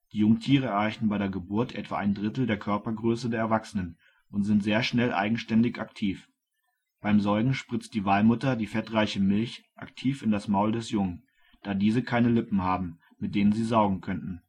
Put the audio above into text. Jungtiere erreichen bei der Geburt etwa ein Drittel der Körpergröße der Erwachsenen und sind sehr schnell eigenständig aktiv. Beim Säugen spritzt die Walmutter die fettreiche Milch aktiv in das Maul des Jungen, da diese keine Lippen haben, mit denen sie saugen könnten